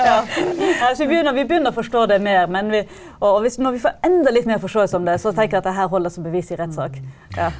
ja så vi begynner vi begynner å forstå det mer, men vi og og hvis når vi får enda litt mer forståelse om det så tenker jeg at det her holder som bevis i rettsak, ja.